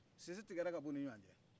sisi tigɛra ka b'uni ɲɔgɔncɛ